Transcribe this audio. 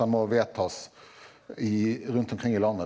den må vedtas i rundt omkring i landet.